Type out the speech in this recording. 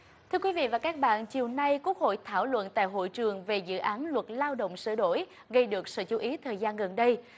thưa quý vị và các bạn chiều nay quốc hội thảo luận tại hội trường về dự án luật lao động sửa đổi gây được sự chú ý thời gian gần đây